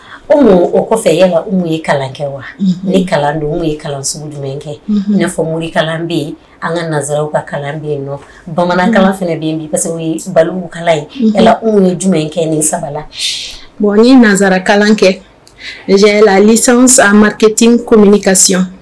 O o kɔfɛ yala anw ye kalan kɛ wa ni kalan don ye kalan sugu jumɛn kɛ'a ɲɛfɔ mori kalan bɛ yen an ka nazsaraww ka kalan bɛ yen nɔ bamanan fana bɛ ye anw ni jumɛn kɛ ni saba bon n ye nazsararaka kalan kɛlalibakɛti ko kasi